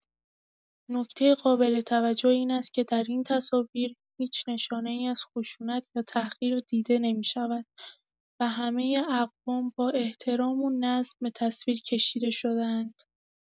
نکته قابل‌توجه این است که در این تصاویر، هیچ نشانه‌ای از خشونت یا تحقیر دیده نمی‌شود و همه اقوام با احترام و نظم به تصویر کشیده شده‌اند.